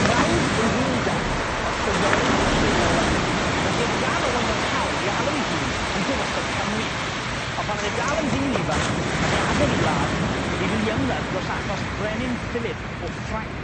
Brawd ei hen daid o'dd Llywelyn ein lliw olaf felly o'dd gan Owain yr hawl i alw ei hun yn dywysog Cymru ond pan o'dd e dal yn ddyn ifanc nath e adel 'i wlad i fynd i ymladd dros achos Brenin Phillip o Ffrainc.